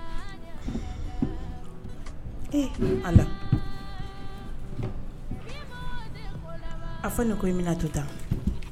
A fa ne ko imina to tan